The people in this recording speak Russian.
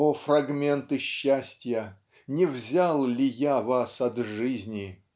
О, фрагменты счастья, не взял ли я вас от жизни?